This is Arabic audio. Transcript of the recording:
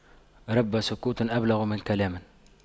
رب سكوت أبلغ من كلام